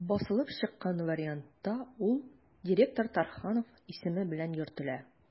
Басылып чыккан вариантта ул «директор Тарханов» исеме белән йөртелә.